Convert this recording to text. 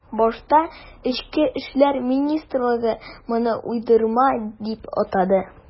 Башта эчке эшләр министрлыгы моны уйдырма дип атады.